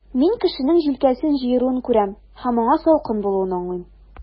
Мин кешенең җилкәсен җыеруын күрәм, һәм аңа салкын булуын аңлыйм.